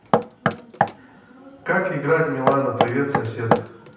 как играть милана привет сосед